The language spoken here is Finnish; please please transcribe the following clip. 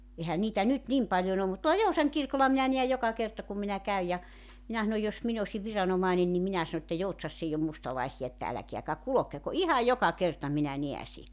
eihän niitä nyt niin paljon ole mutta tuolla Joutsan kirkolla minä näen joka kerta kun minä käyn ja minä sanon jos minä olisin viranomainen niin minä sanon että Joutsassa ei ole mustalaisia että älkääkä kulkeko ihan joka kerta minä näen -